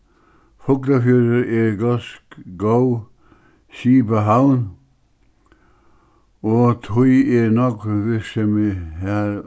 fuglafjørður er góð skipahavn og tí er nógv virksemi har